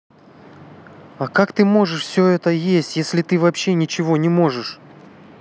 а как ты можешь все это есть если ты вообще ничего не можешь